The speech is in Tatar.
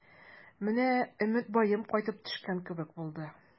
Менә Өметбаем кайтып төшкән кебек булды.